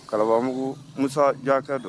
Kalanbaabugu Musa Ja ka dɔn!